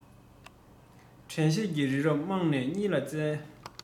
དྲན ཤེས ཀྱི རི རབ རྨང ནས ཉིལ ལ བརྩམས